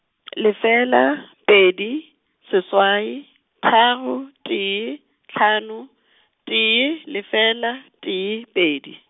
lefela, pedi, seswai, tharo, tee, hlano , tee, lefela, tee, pedi.